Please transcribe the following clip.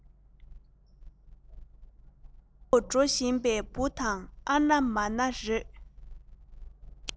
གསོན པོ འགྲོ བཞིན པའི འབུ དང ཨ ན མ ན རེད